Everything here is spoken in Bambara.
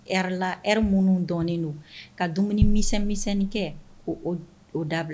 Ri la eri minnu dɔnen don ka dumuni mi mini kɛ k'o dabila